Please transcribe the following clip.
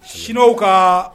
Chinois u kaa